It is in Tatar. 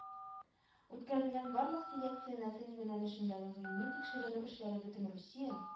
Үткәрелгән барлык селекция нәсел юнәлешендәге гыйльми тикшеренү эшләре бөтенрусия